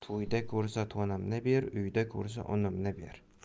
to'yda ko'rsa to'nimni ber uyda ko'rsa unimni ber